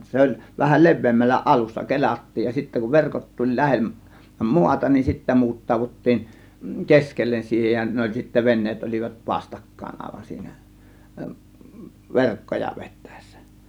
se oli vähän leveämmällä alussa kelattiin ja sitten kun verkot tuli - maata niin sitten muutettiin keskelle siihen ja ne oli sitten veneet olivat vastakkain aivan siinä verkkoja vetäessä